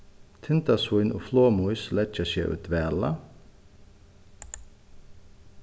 tindasvín og flogmýs leggja seg í dvala